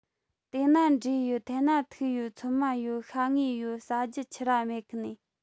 དེ ན འབྲས ཡོད འཐེན ན ཐུག ཡོད ཚོད མ ཡོད ཤ བརྔོས ཡོད ཟ རྒྱུ ཆི ར མེད གི ནིས